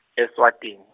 eSwatini.